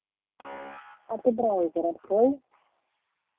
а ты браузер открой